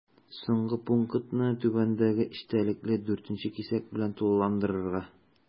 Соңгы пунктны түбәндәге эчтәлекле 4 нче кисәк белән тулыландырырга.